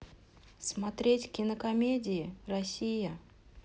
смотреть кинокомедии россия